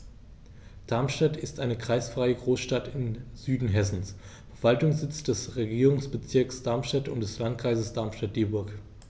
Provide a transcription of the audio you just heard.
Darmstadt ist eine kreisfreie Großstadt im Süden Hessens, Verwaltungssitz des Regierungsbezirks Darmstadt und des Landkreises Darmstadt-Dieburg.